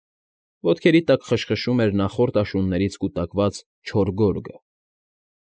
Ոտքերի տակ խշխշում էր նախորդ աշուններից կուտակված չոր գորգը։